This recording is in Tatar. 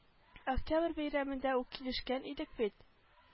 Октябрь бәйрәмендә үк килешкән идек бит